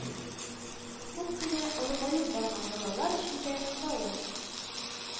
Күп кенә олыгаеп барган “балалар” өчен дә “савым